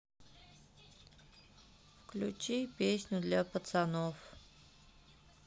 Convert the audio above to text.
включи песню для пацанов